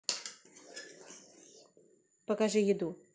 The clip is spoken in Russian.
покажи еду